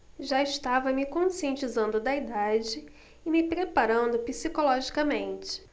já estava me conscientizando da idade e me preparando psicologicamente